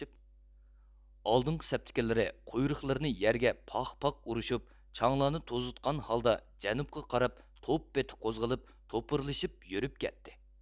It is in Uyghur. ئالدىنقى سەپتىكىلىرى قۇيرۇقلىرىنى يەرگە پاق پاق ئۇرۇشۇپ چاڭلارنى توزۇتقان ھالدا جەنۇبقا قاراپ توپ پېتى قوزغىلىپ توپۇرلىشىپ يۈرۈپ كەتتى